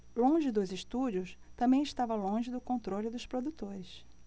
longe dos estúdios também estava longe do controle dos produtores